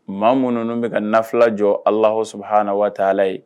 Maa minnu bɛ kaula jɔ ala lahsɔ hhaana waati ala ye